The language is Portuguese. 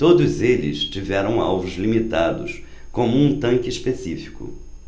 todos eles tiveram alvos limitados como um tanque específico